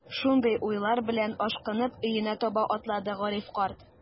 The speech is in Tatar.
Шундый уйлар белән, ашкынып өенә таба атлады Гариф карт.